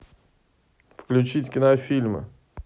включить кинофильмы